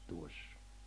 tuossa